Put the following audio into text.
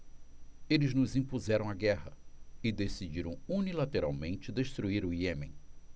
eles nos impuseram a guerra e decidiram unilateralmente destruir o iêmen